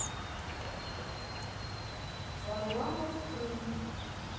варламов крым